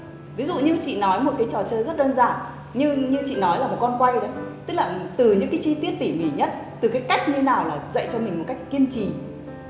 ví dụ như chị nói một cái trò chơi rất đơn giản nhưng như chị nói là một con quay tức là từ những chi tiết tỷ mỉ nhất từ cái cách như nào là dạy cho mình một cách kiên trì